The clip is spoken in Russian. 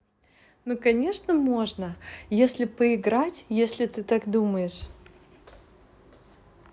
ну конечно можно если поиграть если ты так думаешь